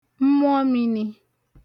mmụọmini